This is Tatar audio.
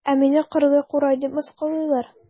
Ә мине кырлы курай дип мыскыллыйлар.